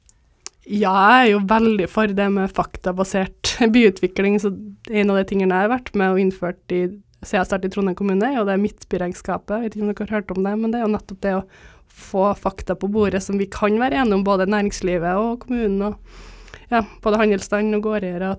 ja jeg er jo veldig for det med faktabasert byutvikling så en av de tingene jeg har vært med og innført i sia jeg startet i Trondheim kommune er jo det Midtbyregnskapet, jeg vet ikke om dere har hørt om det, men det er jo nettopp det å få fakta på bordet som vi kan være enig om både næringslivet og kommunen og ja både handelsstanden og gårder og.